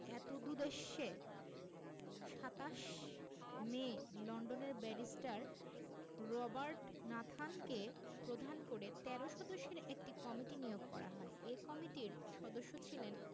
এতদুদ্দেশ্যে ২৭ মে লন্ডনের barrister Robert নাথানকে প্রধান করে ১৩ সদস্যের একটি কমিটি নিয়োগ করা হয় এ কমিটির সদস্য ছিলেন